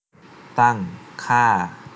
ตั้งค่า